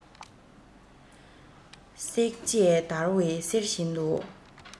སྲེག བཅད བརྡར བའི གསེར བཞིན དུ